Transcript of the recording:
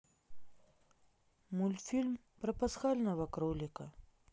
мультфильм про пасхального кролика